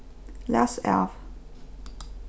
læs av